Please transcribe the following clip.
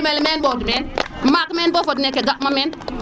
rimel meen ɓoɗ meen maak men bo fod meke gaʼma meen